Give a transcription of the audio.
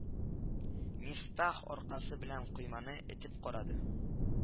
Мифтах аркасы белән койманы этеп карады